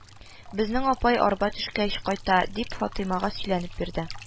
– безнең апай арба төшкәч кайта, – дип, фатыймага сөйләп бирде